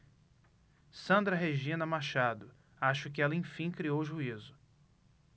sandra regina machado acho que ela enfim criou juízo